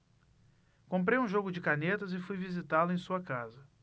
comprei um jogo de canetas e fui visitá-lo em sua casa